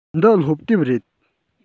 འདི སློབ དེབ རེད